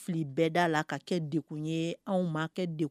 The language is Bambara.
Fili bɛɛ da a la ka kɛ de tun ye anw ma kɛ de